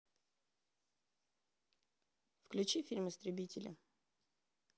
включи фильм истребители